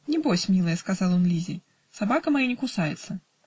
"Небось, милая, -- сказал он Лизе, собака моя не кусается".